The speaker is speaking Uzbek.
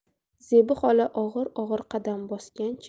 zebi xola og'ir og'ir qadam bosgancha